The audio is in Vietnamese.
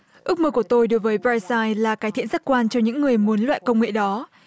ước mơ của tôi đối với pờ rai xai là cải thiện giác quan cho những người muốn loại công nghệ đó